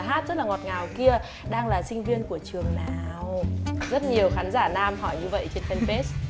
hát rất ngọt ngào kia đang là sinh viên của trường nào rất nhiều khán giả nam hỏi trên phan pết